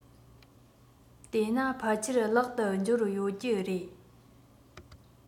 དེས ན ཕལ ཆེར ལག ཏུ འབྱོར ཡོད ཀྱི རེད